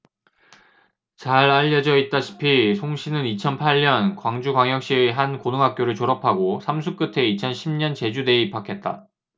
잘 알려져 있다시피 송씨는 이천 팔 년 광주광역시의 한 고등학교를 졸업하고 삼 수 끝에 이천 십 년 제주대에 입학했다